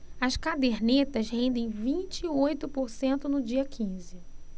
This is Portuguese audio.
as cadernetas rendem vinte e oito por cento no dia quinze